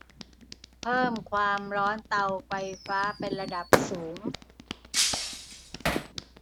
เพิ่มความร้อนเตาไฟฟ้าเป็นระดับสูง